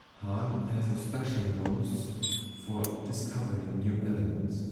Hahn has a special nose for discovering new elements